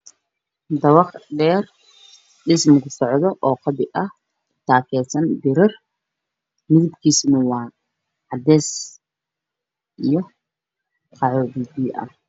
Meeshaan waxaa fadhiyo nin qabo ookiyaalo iyo suud midabkiisa yahay qaxwi iyo shaati midabkiisa yahay cadaan